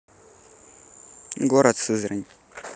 город сызрань